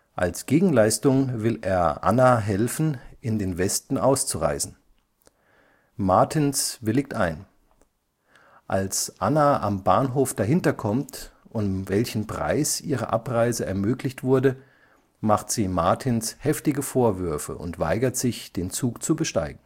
Als Gegenleistung will er Anna helfen, in den Westen auszureisen. Martins willigt ein. Als Anna am Bahnhof dahinterkommt, um welchen Preis ihre Abreise ermöglicht wurde, macht sie Martins heftige Vorwürfe und weigert sich, den Zug zu besteigen